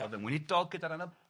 oedd yn weinidog gyda'r